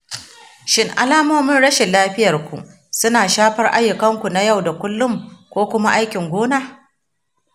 shin alamomin rashin lafiyar ku suna shafar ayyukanku na yau da kullum ko kuma aikin gona?